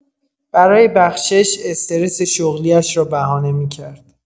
برای بخشش، استرس شغلی‌اش را بهانه می‌کرد.